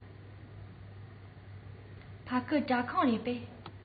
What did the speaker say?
ཕ གི སྐྲ ཁང རེད པས